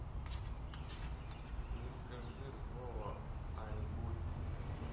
не скажи слово айгуль